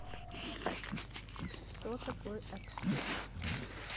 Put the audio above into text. кто такой акцепт